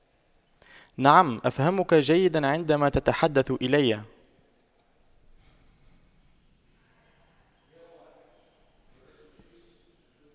نعم أفهمك جيدا عندما تتحدث إلي